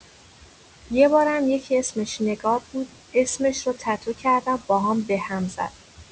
یبارم یکی اسمش نگار بود، اسمش رو تتو کردم باهام بهم زد!